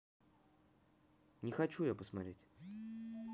не хочу я посмотреть